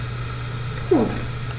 Gut.